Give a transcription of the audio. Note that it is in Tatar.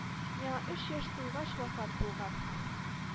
Миңа өч яшь тулгач вафат булган